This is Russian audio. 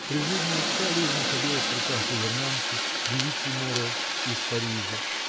При жизни отца Лиза находилась на руках гувернантки, девицы Моро из Парижа